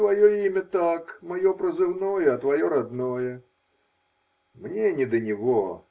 Твое имя так; мое прозывное, а твое родное". Мне не до него.